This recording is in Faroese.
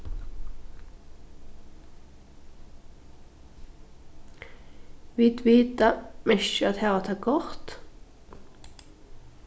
vit vita merkir at hava tað gott